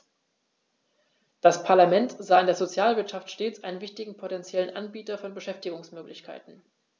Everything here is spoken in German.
Das Parlament sah in der Sozialwirtschaft stets einen wichtigen potentiellen Anbieter von Beschäftigungsmöglichkeiten.